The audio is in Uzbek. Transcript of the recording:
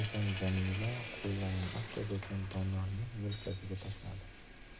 asta sekin doniyorning yelkasiga tashladi